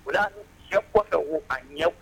Ola sɛ kɔfɛ o a ɲɛ k